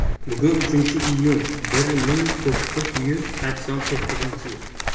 bugun uchinchi iyun bir ming to'qqiz yuz sakson to'qqizinchi yil